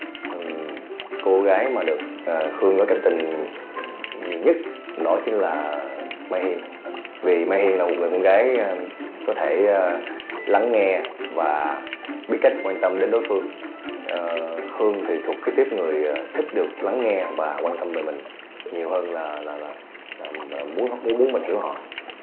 ừm cô gái mà được khương có cảm tình nhiều nhất đó chính là mây vì mây là một người con gái ờ có thể lắng nghe và biết cách quan tâm đến đối phương ờ khương thì thuộc cái tuýp người thích được lắng nghe và quan tâm về mình nhiều hơn là là là muồn học muốn mình hiểu họ